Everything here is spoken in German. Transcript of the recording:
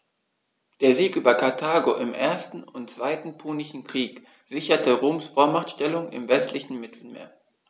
Der Sieg über Karthago im 1. und 2. Punischen Krieg sicherte Roms Vormachtstellung im westlichen Mittelmeer.